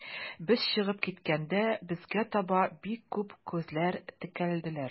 Без чыгып киткәндә, безгә таба бик күп күзләр текәлделәр.